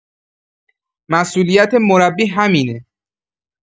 مسئولیت مربی همینه.